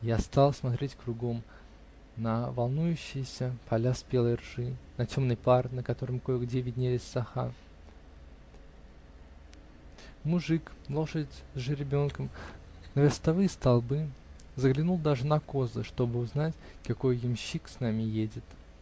Я стал смотреть кругом: на волнующиеся поля спелой ржи, на темный пар, на котором кое-где виднелись соха, мужик, лошадь с жеребенком, на верстовые столбы, заглянул даже на козлы, чтобы узнать, какой ямщик с нами едет